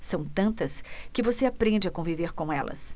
são tantas que você aprende a conviver com elas